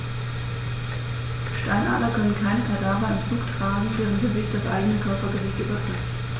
Steinadler können keine Kadaver im Flug tragen, deren Gewicht das eigene Körpergewicht übertrifft.